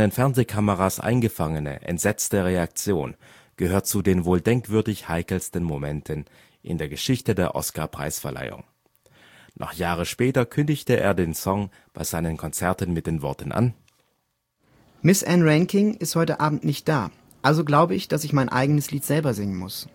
Fernsehkameras eingefangene entsetzte Reaktion gehört zu den wohl denkwürdig heikelsten Momenten in der Geschichte der Oscar-Preisverleihung. Noch Jahre später kündigte er den Song bei seinen Konzerten mit den Worten an: „ Miss Ann Reinking ist heute abend nicht da, also glaube ich, dass ich mein eigenes Lied selber singen muss